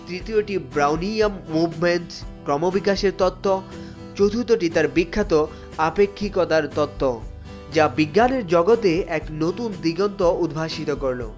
তৃতীয় টি Brownian movement ক্রমবিকাশের তত্ত্ব চতুর্থটি তার বিখ্যাত আপেক্ষিকতার তত্ত্ব যা বিজ্ঞানের জগতে এক নতুন দিগন্ত উদ্ভাসিত করল